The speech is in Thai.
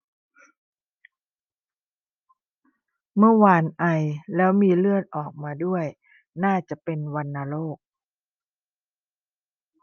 เมื่อวานไอแล้วมีเลือดออกมาด้วยน่าจะเป็นวัณโรค